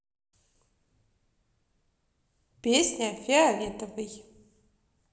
песня фиолетовый